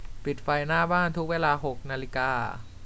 ปิดไฟหน้าบ้านทุกเวลาหกนาฬิกา